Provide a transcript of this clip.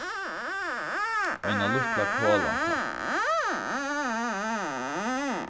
eina lítla kola takk